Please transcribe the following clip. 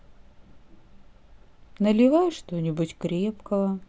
наливай что нибудь крепкого